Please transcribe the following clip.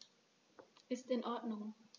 Ist in Ordnung.